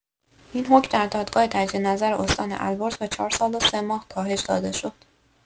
این حکم در دادگاه تجدیدنظر استان البرز به چهار سال و سه ماه کاهش داده شد.